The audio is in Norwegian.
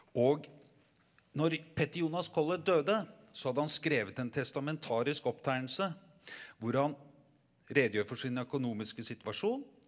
og når Peter Jonas Collett døde så hadde han skrevet en testamentarisk opptegnelse hvor han redegjør for sin økonomiske situasjon.